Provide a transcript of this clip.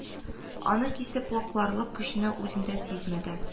Аны кисеп вакларлык көчне үзендә сизмәде